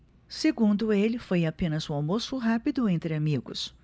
segundo ele foi apenas um almoço rápido entre amigos